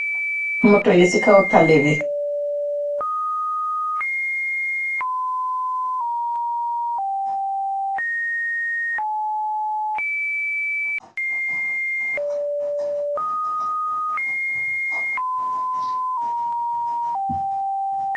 Motto yi ci kaw tali bi.